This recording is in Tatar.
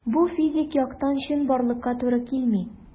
Бу физик яктан чынбарлыкка туры килми.